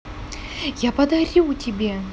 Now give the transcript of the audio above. я подарю тебе